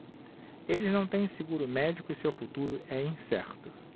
eles não têm seguro médico e seu futuro é incerto